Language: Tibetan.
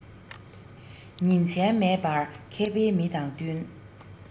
ཉིན མཚན མེད པར མཁས པའི མི དང བསྟུན